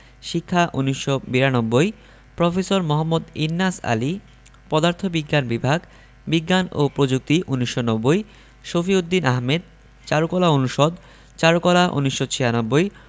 শিক্ষা ১৯৯২ প্রফেসর মোঃ ইন্নাস আলী পদার্থবিজ্ঞান বিভাগ বিজ্ঞান ও প্রযুক্তি ১৯৯০ শফিউদ্দীন আহমেদ চারুকলা অনুষদ চারুকলা ১৯৯৬